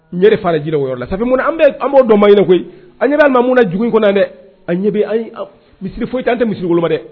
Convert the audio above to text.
N ɲɛ fana jiri o yɔrɔ la sa an b'o dɔn ma koyi an ɲɛ'a ma mun jugu in kɔnɔ dɛ a ɲɛ ayi misi foyian tɛ misiolo ma dɛ